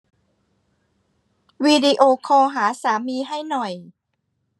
วิดีโอคอลหาสามีให้หน่อย